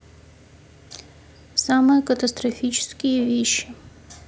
самые катастрофические вещи